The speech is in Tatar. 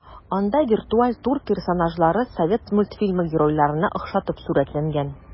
Анда виртуаль тур персонажлары совет мультфильмы геройларына охшатып сурәтләнгән.